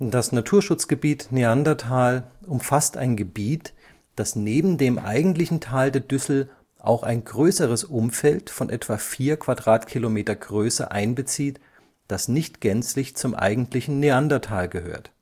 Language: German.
Das Naturschutzgebiet Neandertal umfasst ein Gebiet, das neben dem eigentlichen Tal der Düssel auch ein größeres Umfeld von etwa vier Quadratkilometer Größe einbezieht, das nicht gänzlich zum eigentlichen Neandertal gehört